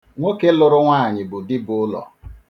Nwoke lụrụ nwaanyị bụ dibụlọ.